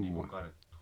niin kuin karttua